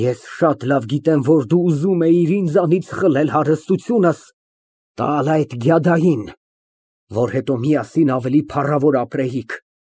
Ես շատ լավ գիտեմ, որ դու ուզում էիր ինձանից խլել հարստությունս, տալ այդ գյադային, որ հետո միասին ավելի փառավոր ապրեիք։